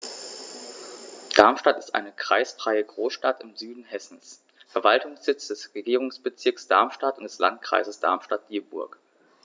Darmstadt ist eine kreisfreie Großstadt im Süden Hessens, Verwaltungssitz des Regierungsbezirks Darmstadt und des Landkreises Darmstadt-Dieburg.